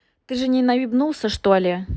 ты же наебнулся что ли